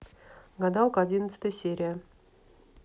гадалка одиннадцатая серия